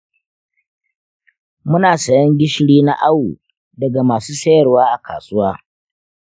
muna sayen gishiri na awu daga masu sayarwa a kasuwa